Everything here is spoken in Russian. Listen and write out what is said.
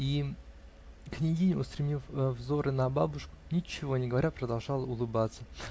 И княгиня, устремив взоры на бабушку, ничего не говоря, продолжала улыбаться.